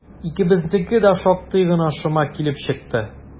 Икебезнеке дә шактый гына шома килеп чыкты.